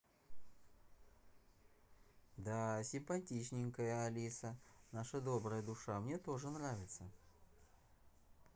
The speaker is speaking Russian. да симпатичненькая алиса наша добрая душа мне тоже нравится